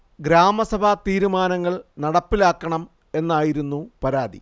ഗ്രാമസഭാ തീരുമാനങ്ങൾ നടപ്പിലാക്കണം എന്നായിരുന്നു പരാതി